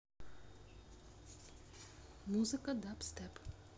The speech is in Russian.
музыка дабстеп